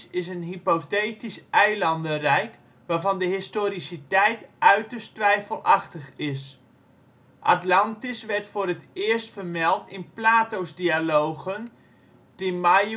is een hypothetisch eilandenrijk waarvan de historiciteit uiterst twijfelachtig is. Atlantis werd voor het eerst vermeld in Plato 's dialogen Timaeus